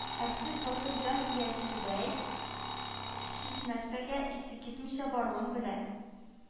Әрсез, батыр җан ияседәй һичнәрсәгә исе китмичә баруын белә